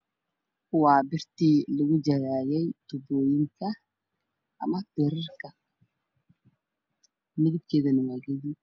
Waa birtii lagu jaraayay dubooyinka ama birarka midabkooduna waa gaduud